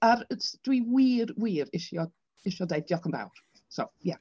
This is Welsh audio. Ar yy s- dwi wir, wir isio isio deud diolch yn fawr, so ie.